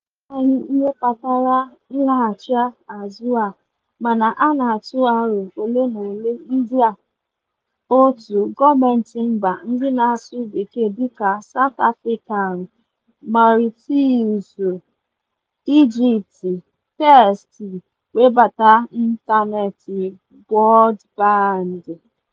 Amachaghị ihe kpatara nlaghachị azụ a, mana a na-atụ aro ole na ole ndị a: 1) gọọmentị mba ndị na-asụ bekee dịka (South Africa, Mauritius, Egypt) first (fr) webatara ịntaneetị brọdband.